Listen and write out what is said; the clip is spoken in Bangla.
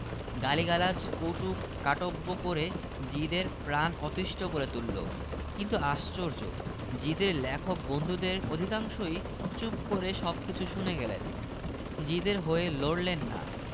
প্যারিস খবর শুনে প্রথমটায় মুর্ছা গেল কিন্তু সম্বিত ফেরা মাত্রই মুক্তকচ্ছ হয়ে ছুটল নিলাম খানার দিকে